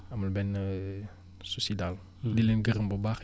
amul benn soucis daal di leen gërëm bu baax